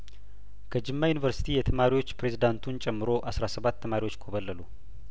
ከጅማ ዩኒቨርስቲ የተማሪዎች ፕሬዝዳንቱን ጨምሮ አስራ ስባት ተማሪዎች ኮበለሉ